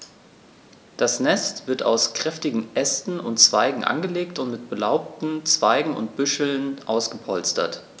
Das Nest wird aus kräftigen Ästen und Zweigen angelegt und mit belaubten Zweigen und Büscheln ausgepolstert.